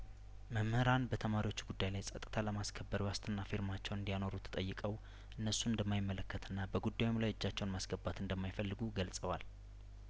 መምህራን በተማሪዎቹ ጉዳይ ላይ ጸጥታ ለማስከበር የዋስትና ፊርማቸውን እንዲያኖሩ ተጠይቀው እነሱን እንደማይመለከትና በጉዳዩም ላይ እጃቸውን ማስገባት እንደማይፈልጉ ገልጸዋል